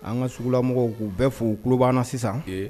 An ka sugula mɔgɔw k'u bɛɛ'u tulo banna sisan